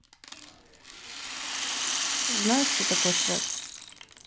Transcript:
знаешь кто такой шрек